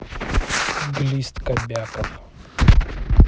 глист кобяков